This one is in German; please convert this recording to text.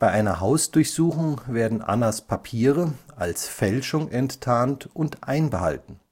einer Hausdurchsuchung werden Annas Papiere als Fälschung enttarnt und einbehalten